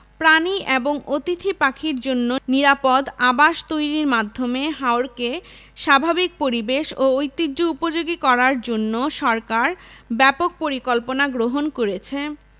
প্রাণী এবং অতিথি পাখির জন্য নিরাপদ আবাস তৈরির মাধ্যমে হাওরকে স্বাভাবিক পরিবেশ ও ঐতিহ্য উপযোগী করার জন্য সরকার ব্যাপক পরিকল্পনা গ্রহণ করেছে